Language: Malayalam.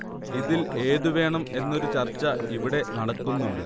ഇതിൽ ഏതു വേണം എന്നൊരു ചർച്ച ഇവിടെ നടക്കുന്നുണ്ട്